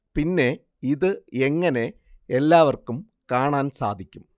പിന്നെ ഇത് എങ്ങനെ എല്ലാവര്‍ക്കും കാണാന്‍ സാധിക്കും